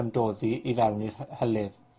ymdoddi i fewn i'r hy- hylif.